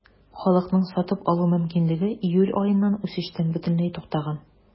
Халыкның сатып алу мөмкинлеге июль аеннан үсештән бөтенләй туктаган.